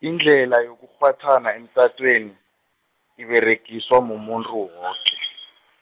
indlhela yokukghwathana emtatweni, iberegiswa mumuntu woke.